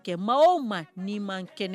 Kɛ maa o ma ni ma kɛnɛ